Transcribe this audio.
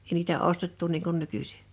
ei niitä ostettu niin kuin nykyisin